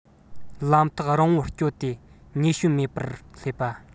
ལམ ཐག རིང པོར བསྐྱོད དེ ཉེ ཞོ མེད པར སླེབས པ